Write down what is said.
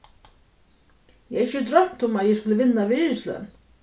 eg hevði ikki droymt um at eg skuldi vinna virðisløn